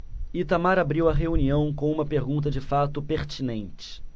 itamar abriu a reunião com uma pergunta de fato pertinente